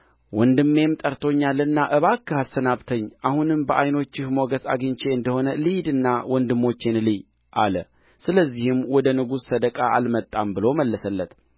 ወንድሜም ጠርቶኛልና እባክህ አሰናብተኝ አሁንም በዓይኖችህ ሞገስ አግኝቼ እንደ ሆነ ልሂድና ወንድሞቼን ልይ አለ ስለዚህ ወደ ንጉሥ ሰደቃ አልመጣም ብሎ መለሰለት